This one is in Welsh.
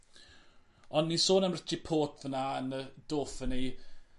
On' ni'n sôn am Richie Port fan 'na yn y Dauphiné ...